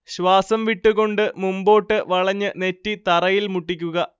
ശ്വാസം വിട്ടുകൊണ്ട് മുമ്പോട്ട് വളഞ്ഞ് നെറ്റി തറയിൽ മുട്ടിക്കുക